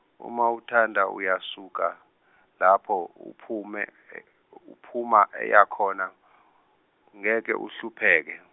uma uthanda uyasuka lapho uphume uphuma eyakhona ngeke uhlupheke.